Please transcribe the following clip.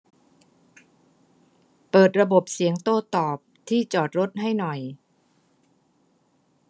เปิดระบบเสียงโต้ตอบที่จอดรถให้หน่อย